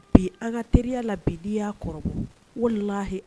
Bi an ka teriya la bidiya kɔrɔ o la